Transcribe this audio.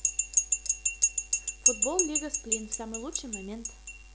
футбол лига сплин в самый лучший момент